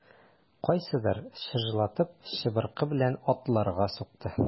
Кайсыдыр чыжлатып чыбыркы белән атларга сукты.